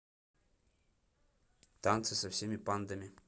танцы со всеми пандами